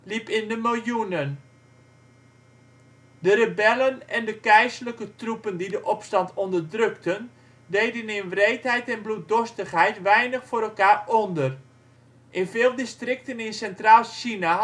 in de miljoenen. De rebellen en de keizerlijke troepen die de opstand onderdrukten deden in wreedheid en bloeddorstigheid weinig voor elkaar onder. In veel districten in Centraal-China